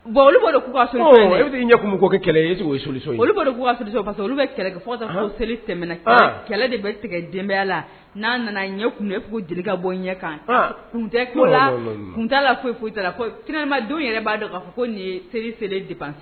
Bon olu boloba ɲɛ kun bɛ ko kɛ kɛlɛ olu olu bɛ kɛlɛ kɛ seliɛna kɛlɛ de bɛ tigɛ denbayaya la n'a nana ɲɛ kun jelikɛ bɔ ɲɛ kan kun tɛ la t'a la foyi la tima don b'a dɔn k'a fɔ ko nin seli seli de pan